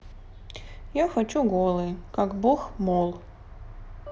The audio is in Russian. я хочу голой как бог молл